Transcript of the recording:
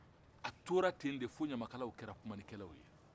a tora ten de fo ɲamakalaw kɛra kumannikɛlaw ye